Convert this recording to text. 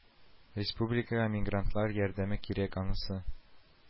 Республикага мигрантлар ярдәме кирәк, анысы